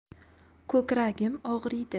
ko'kragim og'riydi